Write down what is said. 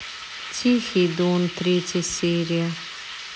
тихий дон третья серия